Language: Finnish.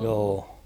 joo